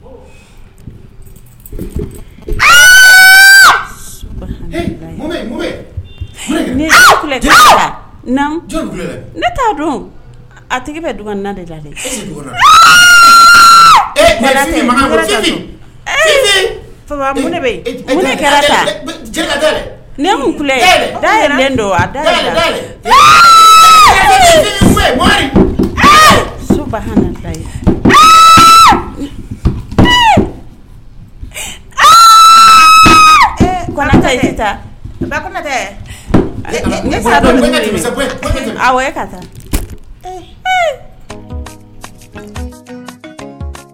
T a tigi bɛ du na de la dɛ ka taa